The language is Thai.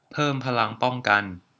เพิ่มพลังป้องกัน